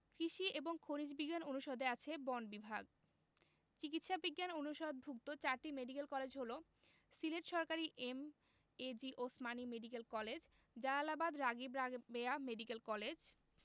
কৃষি এবং খনিজ বিজ্ঞান অনুষদে আছে বন বিভাগ চিকিৎসা বিজ্ঞান অনুষদভুক্ত চারটি মেডিকেল কলেজ হলো সিলেট সরকারি MAG Osmani medical college Jalalabad Ragib Rabeya medical college